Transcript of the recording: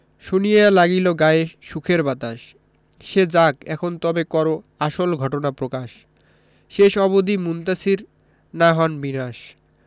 শুনিয়া লাগিল গায়ে সুখের বাতাস সে যাক এখন তবে করো আসল ঘটনা প্রকাশ শেষ অবধি মুনতাসীর না হন বিনাশ